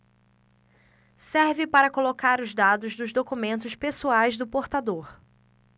serve para colocar os dados dos documentos pessoais do portador